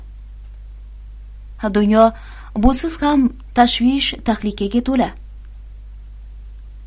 dunyo busiz ham tashvish tahlikaga to'la